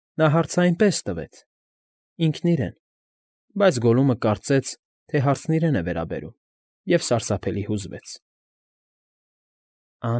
Նա հարցն այնպես տվեց, ինքն իրեն, բայց Գոլլումը կարծեց, թե հարցն իրեն է վերաբերում, և սարսափելի հուզվեց։ ֊